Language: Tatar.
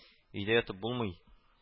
— өйдә ятып булмый